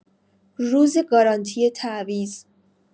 روز گارانتی تعویض